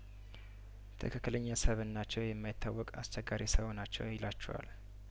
ትክክለኛ ሰብእናቸው የማይታወቅ አስቸጋሪ ሰው ናቸው ይላቸዋል